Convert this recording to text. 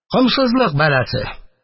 Комсызлык бәласе